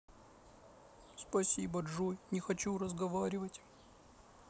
спасибо джой не хочу разговаривать